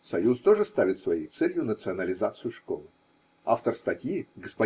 ): союз тоже ставит своей целью национализацию школы. Автор статьи, г.